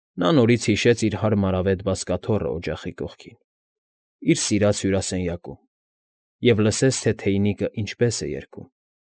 Նա նորից հիշեց իր հարմարավետ բազկաթոռը օջախի կողքին, իր սիրած հյուրասենյակում, և լսեց, թե թեյնիկն ինչպես է երգում։